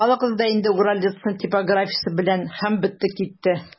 Сатып алыгыз да инде «Уралец»ны типографиясе белән, һәм бетте-китте!